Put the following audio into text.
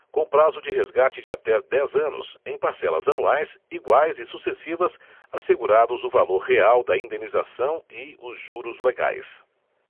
com prazo de resgate de até dez anos em parcelas anuais iguais e sucessivas assegurados o valor real da indenização e os juros legais